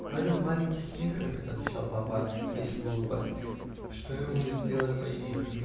-- А этот, маленький, с вихрами, -- отвечал папа, весело улыбаясь. "Что ему сделали мои вихры.